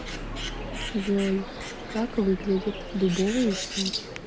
джой как выглядит дубовый усач